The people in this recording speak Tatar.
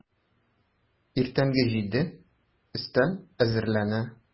Иртәнге җиде, өстәл әзерләнә.